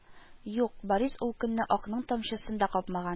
Юк, Борис ул көнне «ак»ның тамчысын да капма